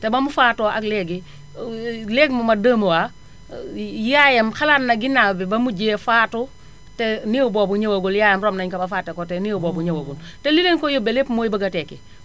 te ba mu faatoo ak léegi léegi mu mat deux mois yaayam xalaat na ginaaw bi ba mujjee faatu te néew boobu ñëwagul yaayam rob nañu ko ba fàtte ko te néew boobu ñëwagul te li leen ko yóbbee lépp mooy bëgg a tekki